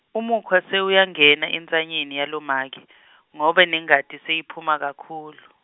Umukhwa sewuyangena entsanyeni yalomake , ngobe nengati seyiphuma kakhulu.